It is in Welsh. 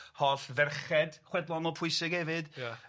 holl ferched chwedlonol pwysig hefyd. Ia.